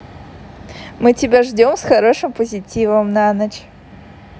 мы тебя ждем с хорошим позитивом на ночь